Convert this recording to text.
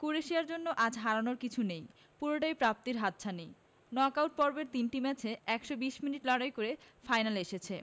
ক্রোয়েশিয়ার জন্য আজ হারানোর কিছু নেই পুরোটাই প্রাপ্তির হাতছানি নক আউট পর্বের তিনটি ম্যাচে ১২০ মিনিট লড়াই করে ফাইনালে এসেছে